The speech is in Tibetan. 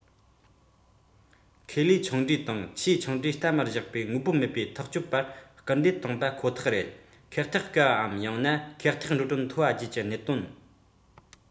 ཁ པར འགའ ཕྱོགས ལྷུང ཁོ ཐག ཡིན